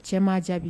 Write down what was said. Cɛ m'a jaabi